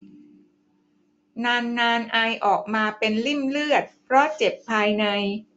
นานาไอออกมาเป็นลิ่มเลือดเพราะเจ็บภายใน